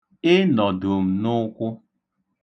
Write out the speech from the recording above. Ị nọdo m n’ụkwụ.